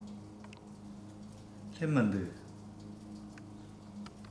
སླེབས མི འདུག